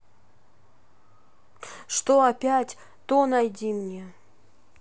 что опять то найди мне